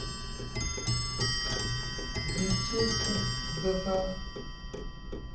детектор два